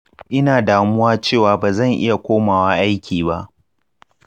ina damuwa cewa ba zan iya komawa aiki ba.